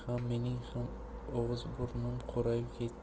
ham og'iz burnimiz qorayib ketdi